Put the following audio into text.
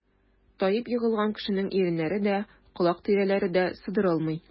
Таеп егылган кешенең иреннәре дә, колак тирәләре дә сыдырылмый.